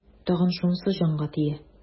Тагын шунысы җанга тия.